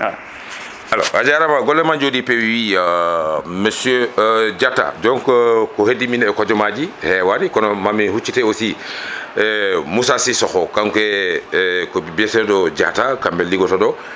alors a jarama gollema jooɗi peewi monsieur Diatta donc ko heddi min e hoojomaji heewani kono mami huccite aussi e Moussa Cissokho kanko e ko biyeteɗo Diatta kamɓe liggodtoɗo